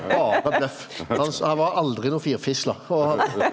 berre bløff hans han var aldri noko firfisle og.